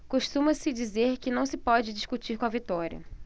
costuma-se dizer que não se pode discutir com a vitória